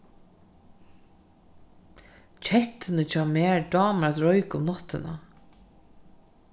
kettuni hjá mær dámar at reika um náttina